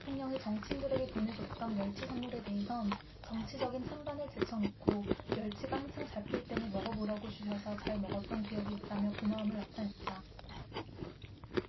김 전 대통령이 정치인들에게 보내줬던 멸치 선물에 대해선 정치적인 찬반을 제쳐놓고 멸치가 한창 잡힐 때니 먹어보라고 주셔서 잘 먹었던 기억이 있다며 고마움을 나타냈다